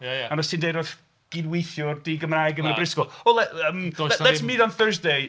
Ia, ia... Ond os ti'n dweud wrth gydweithiwr di-Gymraeg yn y Brifysgol; "Oh, le- erm le- let's meet on Thursday"